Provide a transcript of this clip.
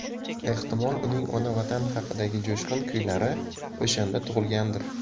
ehtimol uning ona vatan haqidagi jo'shqin kuylari o'shanda tug'ilgandir